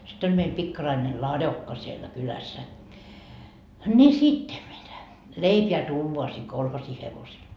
sitten oli meillä pikkarainen ladokka siellä kylässä niin sitten mitä leipää tuodaan siihen kolhoosin hevosella